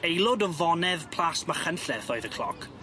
aelod o fonedd plas Machynlleth oedd y cloc